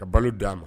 Ka balo d'a ma